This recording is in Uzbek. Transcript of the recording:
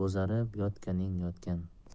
bo'zarib yotganing yotgan